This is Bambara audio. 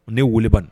U ne woloban